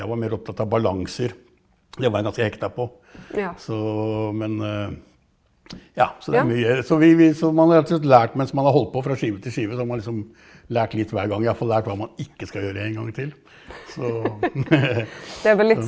jeg var mer opptatt av balanser, det var jeg ganske hekta på så men ja så det er mye så vi vi så man har rett og slett lært mens man har holdt på fra skive til skive, så har man liksom lært litt hver gang, iallfall lært hva man ikke skal gjøre én gang til så så.